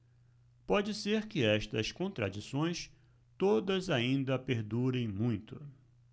pode ser que estas contradições todas ainda perdurem muito